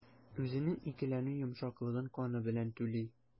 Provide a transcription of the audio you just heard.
Үзенең икеләнү йомшаклыгын каны белән түли.